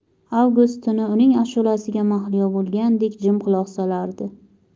avgust tuni uning ashulasiga mahliyo bo'lgandek jim quloq solardi